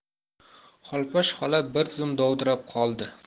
xolposh xola bir zum dovdirab qoldi